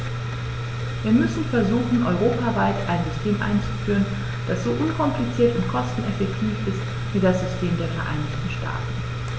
Wir müssen versuchen, europaweit ein System einzuführen, das so unkompliziert und kosteneffektiv ist wie das System der Vereinigten Staaten.